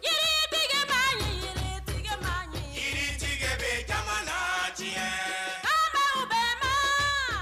Jigitigi bɛ'tigiba jigi jɛgɛ bɛ ja la diɲɛ faama bɛ ma